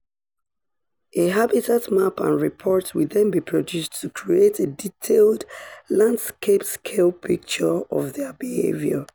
A habitat map and report will then be produced to create a detailed landscape-scale picture of their behavior.